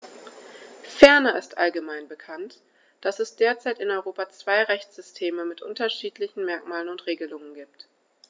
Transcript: Ferner ist allgemein bekannt, dass es derzeit in Europa zwei Rechtssysteme mit unterschiedlichen Merkmalen und Regelungen gibt.